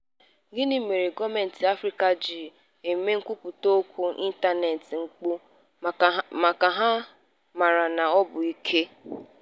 Gịnị mere gọọmentị Afrịka ji eme nkwupụta okwu n'ịntaneetị mpụ? Maka na ha mara na ọ bụ ike.